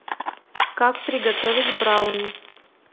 как приготовить брауни